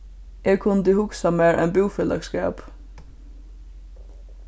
eg kundi hugsað mær ein búfelagsskap